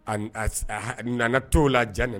Nana to la jan